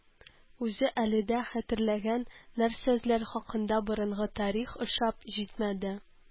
Үзе әле дә хәтерләгән нәрсәләр хакында борынгы тарих ошап җитмәде